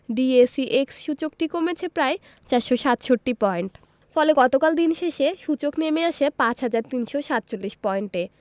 DSEX সূচকটি কমেছে প্রায় ৪৬৭ পয়েন্ট ফলে গতকাল দিন শেষে সূচক নেমে আসে ৫ হাজার ৩৪৭ পয়েন্টে